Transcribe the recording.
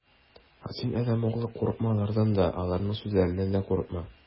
Ә син, адәм углы, курыкма алардан да, аларның сүзләреннән дә курыкма.